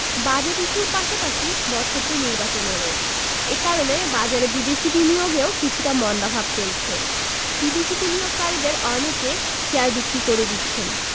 budget ইস্যুর পাশাপাশি বছরটি নির্বাচনেরও এ কারণে বাজারে বিদেশি বিনিয়োগেও কিছুটা মন্দাভাব চলছে বিদেশি বিনিয়োগকারীদের অনেকে শেয়ার বিক্রি করে দিচ্ছেন